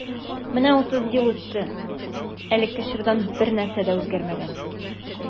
Менә утыз ел үтте, элекке чордан бернәрсә дә үзгәрмәгән.